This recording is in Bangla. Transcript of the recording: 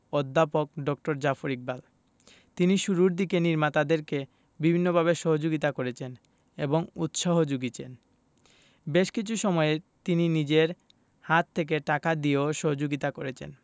অধ্যাপক ড জাফর ইকবাল তিনি শুরুর দিকে নির্মাতাদেরকে বিভিন্নভাবে সহযোগিতা করেছেন এবং উৎসাহ যুগিয়েছেন বেশ কিছু সময়ে তিনি নিজের হাত থেকে টাকা দিয়েও সহযোগিতা করেছেন